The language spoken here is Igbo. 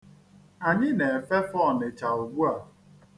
Anyị na-efefe Ọnịcha ugbua.